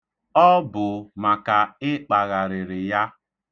Ọ bụ maka ị kpagharịrị ya.